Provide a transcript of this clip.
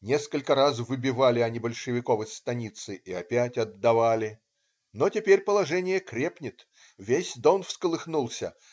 Несколько раз выбивали они большевиков из станицы и опять отдавали. Но теперь положение крепнет. Весь Дон всколыхнулся.